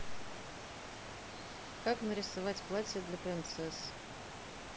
как нарисовать платья для принцесс